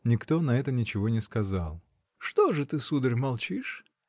Никто на это ничего не сказал. — Что же ты, сударь, молчишь?